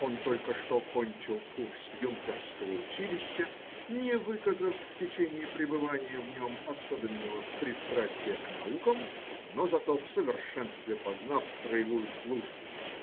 Он только что кончил курс юнкерского училища, не выказав в течение пребывания в нем особенного пристрастия к наукам, но зато в совершенстве познав строевую службу.